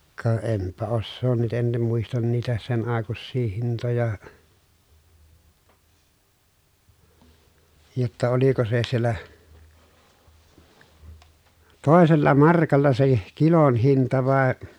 ka enpä osaa nyt en niin muista niitä sen aikuisia hintoja jotta oliko se siellä toisella markalla se kilon hinta vai